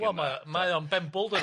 Wel mae o mae o'n benbwl dydi?